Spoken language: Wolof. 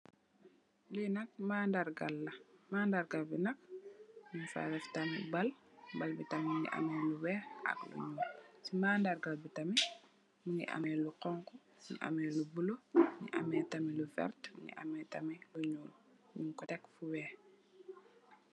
Li nak mandarga la madagar bi nk nyung fa def tamit bal, bal bi tamit mugi amm lu wheh ak lu nyul si mandarga bi tam mugi amm lu khonkho ameh lu blu mugi ameh tamit lu verte mugi ameh tamit lu nyul nyung ko taka lu wheh.